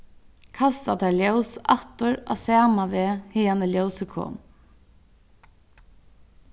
kasta tær ljós aftur á sama veg haðani ljósið kom